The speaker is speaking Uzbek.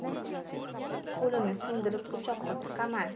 qo'lini sindirib o'choqqa tiqaman